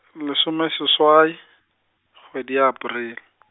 lesomeseswai, kgwedi ya Aprele.